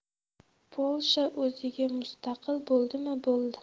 polsha o'ziga mustaqil bo'ldimi bo'ldi